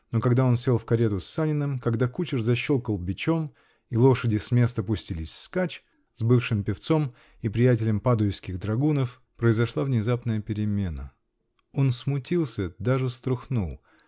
но когда он сел в карету с Саниным, когда кучер защелкал бичом и лошади с места пустились вскачь, -- с бывшим певцом и приятелем падуйских драгунов произошла внезапная перемена. Он смутился, даже струхнул.